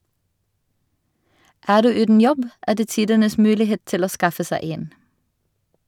Er du uten jobb, er det tidenes mulighet til å skaffe seg en.